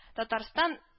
Татарстан